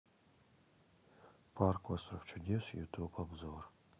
парк остров чудес ютуб обзор